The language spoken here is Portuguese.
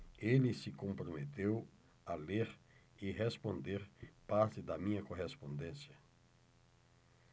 ele se comprometeu a ler e responder parte da minha correspondência